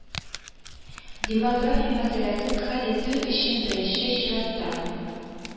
Демография мәсьәләсен хәл итү өчен беренче чиратта